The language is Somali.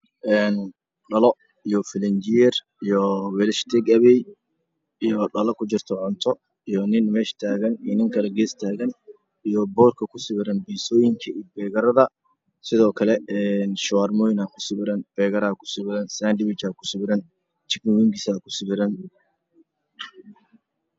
Dhalo iyo filenjeer iyo wilasha taga iyo dhalo ku jirto cunto iyo nin meesha taagan iyo nin kaloo gees taagan iyo boorka ku soo miisooyinka iyo sawirrada sidoo kale weyn oo ku shuharmooyin aan ku sawiran